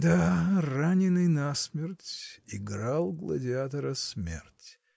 — Да: раненный насмерть — играл гладиатора смерть!.